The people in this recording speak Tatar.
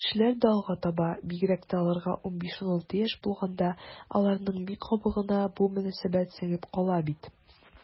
Бу кешеләрдә алга таба, бигрәк тә аларга 15-16 яшь булганда, аларның ми кабыгына бу мөнәсәбәт сеңеп кала бит.